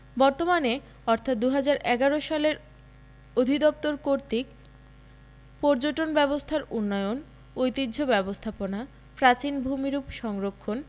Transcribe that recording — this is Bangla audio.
বর্তমানে অর্থাৎ ২০১১ সালের অধিদপ্তর কর্তৃক পর্যটন ব্যবস্থার উন্নয়ন ঐতিহ্য ব্যবস্থাপনা প্রাচীন ভূমিরূপ সংরক্ষণ